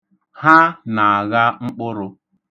Ha na-agha mkpụrụ.